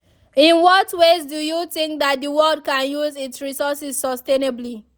In what ways do you think that the world can use its resources more sustainably?